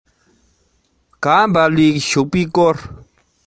ངའི ཨ མ ལ ཞི མ ཞེས འབོད ཅིང